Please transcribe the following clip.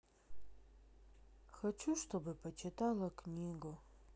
хочу чтобы почитала книгу